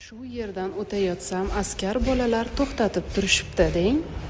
shu yerdan o'tayotsam askar bolalar to'xtatib turishibdi deng